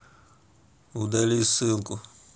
удали ссылку